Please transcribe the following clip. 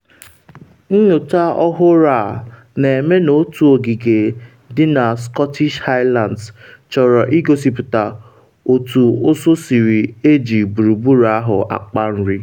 Nyocha ọhụrụ a an-eme n’otu ogige dị na Scottish Highlands chọrọ igosipụta otu ụsụ siri eji gburgburu ahụ akpa nri.